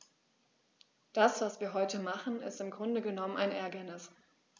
Das, was wir heute machen, ist im Grunde genommen ein Ärgernis.